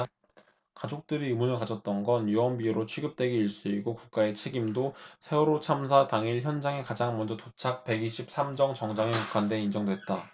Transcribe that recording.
가족들이 의문을 가졌던 건 유언비어로 취급되기 일쑤이고 국가의 책임도 세월호 참사 당일 현장에 가장 먼저 도착 백 이십 삼 정 정장에 국한 돼 인정됐다